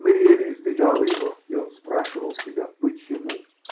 Мэриели избегала его, и он спрашивал себя -- почему.